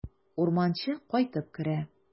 Урманчы кайтып керә.